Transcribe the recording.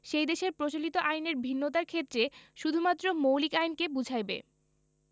সেই দেশের প্রচলিত আইনের ভিন্নতার ক্ষেত্রে শুধুমাত্র মৌলিক আইনকে বুঝাইবে